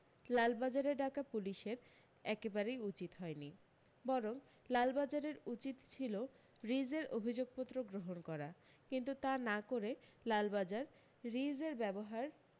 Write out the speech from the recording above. লালবাজারে ডাকা পুলিশের একেবারেই উচিত হয়নি বরং লালবাজারের উচিত ছিল রিজের অভি্যোগপত্র গ্রহন করা কিন্তু তা না করে লালবাজার রিজের ব্যবহার